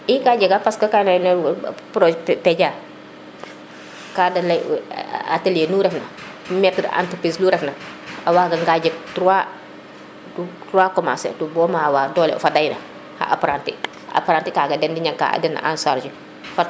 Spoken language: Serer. i ka jega parce que ka de ley u ka de ley u atelier nu ref na maitre entreprise nu ref na o waga nga jeg 3 3 commencer tu bo ma dolke ofa deyna xa apprentit kaga dena njang ka den en charge